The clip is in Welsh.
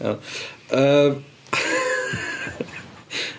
Iawn yym .